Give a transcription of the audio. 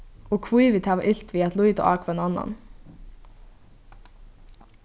og hví vit hava ilt við at líta á hvønn annan